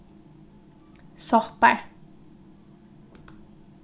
soppar